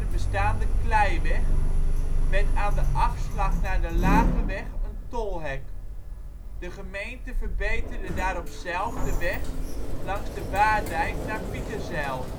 bestaande kleiweg, met aan de afslag naar de Lageweg een tolhek. De gemeente verbeterde daarop zelf de weg langs de Waarddijk naar Pieterzijl